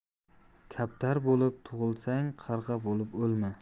kaptar bo'lib tug'ilsang qarg'a bo'lib o'lma